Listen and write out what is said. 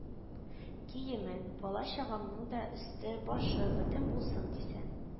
Киемең, бала-чагаңның да өсте-башы бөтен булсын дисәң